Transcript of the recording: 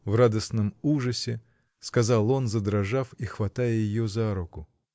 — в радостном ужасе сказал он, задрожав и хватая ее за руку.